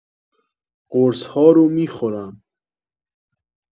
قرص‌ها رو می‌خورم.